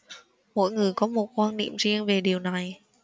mỗi người có một quan niệm riêng về điều này